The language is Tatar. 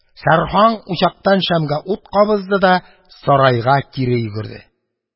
Сәрһаң учактан шәмгә ут кабызды да сарайга кире йөгерде.